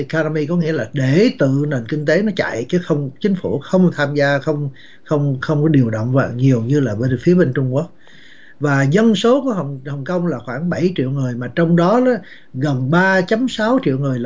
ca đe mi có nghĩa là để tự nền kinh tế mà chạy chứ không chính phủ không tham gia không không không có điều động lại nhiều như là bên phía mình trung quốc và dân số của hồng hồng công là khoảng bảy triệu người mà trong đó gần ba chấm sáu triệu người